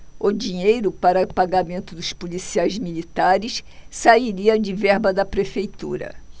o dinheiro para pagamento dos policiais militares sairia de verba da prefeitura